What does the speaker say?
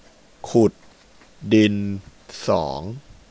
ขุดดินสอง